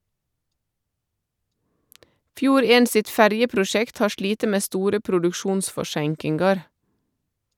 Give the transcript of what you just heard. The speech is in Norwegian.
Fjord 1 sitt ferjeprosjekt har slite med store produksjonsforseinkingar.